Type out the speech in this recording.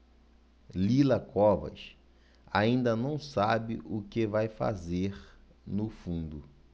lila covas ainda não sabe o que vai fazer no fundo